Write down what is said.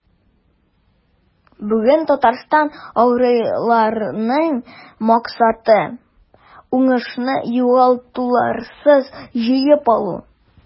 Бүген Татарстан аграрийларының максаты – уңышны югалтуларсыз җыеп алу.